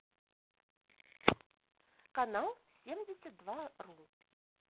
канал семьдесят два ру